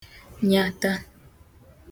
nyàtà